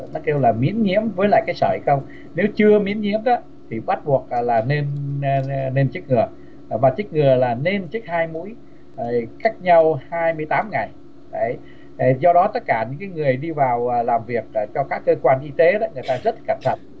nó kêu là miễn nhiễm với lại cái sởi không nếu chưa miễn nhiễm đó thì bắt buộc à là nên nên chích ngừa và chích ngừa là nên chích hai mũi ờ cách nhau hai mươi tám ngày ấy do đó tất cả những cái người đi vào làm việc cho các cơ quan y tế đố người ta rất cẩn thận